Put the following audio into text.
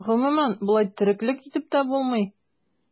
Гомумән, болай тереклек итеп тә булмый.